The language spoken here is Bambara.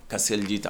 Ka seliji ta